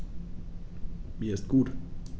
Mir ist gut.